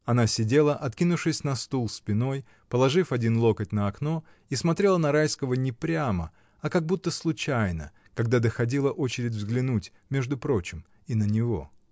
Она сидела, откинувшись на стул спиной, положив один локоть на окно, и смотрела на Райского не прямо, а как будто случайно, когда доходила очередь взглянуть между прочим и на него.